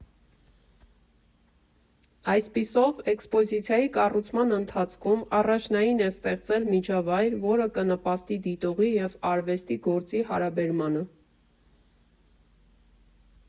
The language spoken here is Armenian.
Այսպիսով, էքսպոզիցիայի կառուցման ընթացքում առաջնային է ստեղծել միջավայր, որը կնպաստի դիտողի և արվեստի գործի հարաբերմանը։